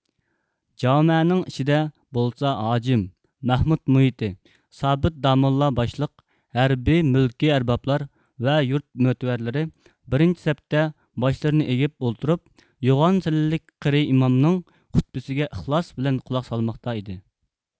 جامانىڭ ئىچىدە بولسا ھاجىم مەھمۇت مۇھىتى سابىت داموللا باشلىق ھەربىي مۈلكىي ئەربابلار ۋە يۇرت مۆتىۋەرلىرى بىرىنچى سەپتە باشلىرىنى ئېگىپ ئولتۇرۇپ يوغان سەللىلىك قېرى ئىمامنىڭ خۇتبىسىگە ئىخلاس بىلەن قۇلاق سالماقتا ئىدى